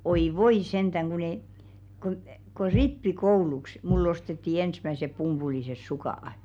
oi voi sentään kun - kun kun rippikouluksi minulle ostettiin ensimmäiset pumpuliset sukat